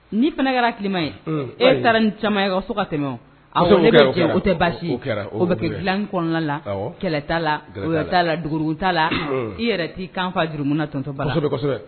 Ni fana kɛra hakilima ye, e taara ni caman ye a ka so ka tɛmɛ wo. O kɛra, o tɛ baasi ye o bɛ kɛ gilanni kɔnɔna la kɛlɛ ta la dogo dogo li ta la i yɛrɛ ti kan fa jurumu na tonton Bala kɔsɛbɛ